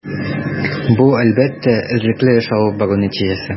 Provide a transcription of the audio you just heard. Бу, әлбәттә, эзлекле эш алып бару нәтиҗәсе.